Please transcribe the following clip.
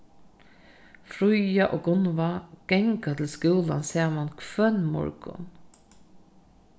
fríða og gunnvá ganga til skúlan saman hvønn morgun